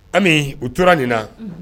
Ami u tora nin na